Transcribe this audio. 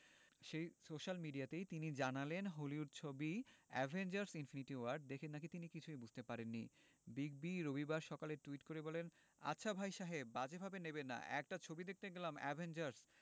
সেই সোশ্যাল মিডিয়াতেই তিনি জানালেন হলিউড ছবি অ্যাভেঞ্জার্স ইনফিনিটি ওয়ার দেখে নাকি কিছুই বুঝতে পারেননি বিগ বি রবিবার সকালেই টুইট করে বলেন আচ্ছা ভাই সাহেব বাজে ভাবে নেবেন না একটা ছবি দেখতে গেলাম অ্যাভেঞ্জার্স